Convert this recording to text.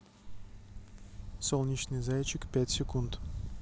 солнечный зайчик пять секунд